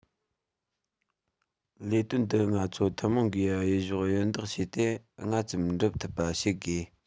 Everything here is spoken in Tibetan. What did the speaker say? ལས དོན འདི ང ཚོ ཐུན མོང གིས གཡས གཞོགས གཡོན འདེགས བྱས ཏེ སྔ ཙམ འགྲུབ ཐུབ པ བྱེད དགོས